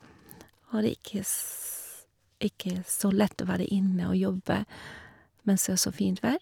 Og det er ikke s ikke så lett å være inne og jobbe mens det er så fint vær.